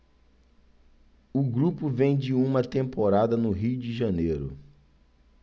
o grupo vem de uma temporada no rio de janeiro